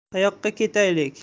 qayoqqa ketaylik